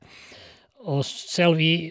Og selv i...